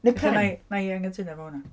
Neu pren!... Wna i, wna i anghytuno efo hwnna.